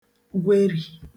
gwerì